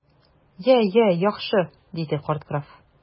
Я, я, яхшы! - диде карт граф.